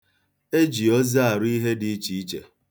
E ji oze arụ ihe dị iche iche.